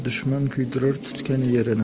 dushman kuydirar tutgan yerini